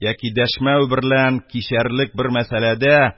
Яки дәшмәү берлән кичәрлек бер мәсьәләдә